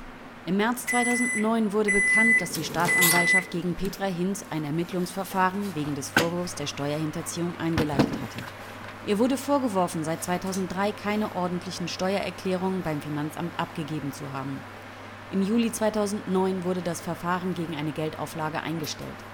2009 wurde bekannt, dass die Staatsanwaltschaft gegen Petra Hinz ein Ermittlungsverfahren wegen des Vorwurfs der Steuerhinterziehung eingeleitet hatte. Ihr wurde vorgeworfen, seit 2003 keine ordentlichen Steuererklärungen beim Finanzamt abgegeben zu haben. Im Juli 2009 wurde das Verfahren gegen eine Geldauflage eingestellt